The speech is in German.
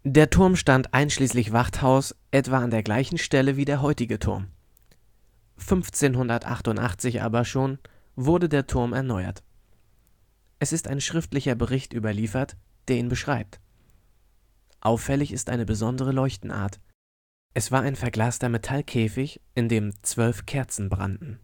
Der Turm stand einschließlich Wachthaus etwa an der gleichen Stelle, wie der heutige Turm. 1588 aber schon wurde der Turm erneuert. Es ist ein schriftlicher Bericht überliefert, der ihn beschreibt. Auffällig ist eine besondere Leuchtenart, es war ein verglaster Metallkäfig in dem 12 Kerzen brannten